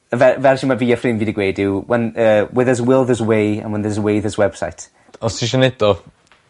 Y fe- fersiwn ma' fi a ffrind wedi gweud yw when yy where there's a will there's a way an' when there's a way there's website. Os tisio neud o